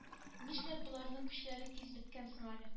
Нишләп боларның көчләре тиз беткән соң әле